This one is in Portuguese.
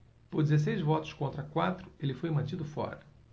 por dezesseis votos contra quatro ele foi mantido fora